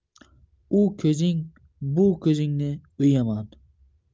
u ko'zing bu ko'zingni o'yaman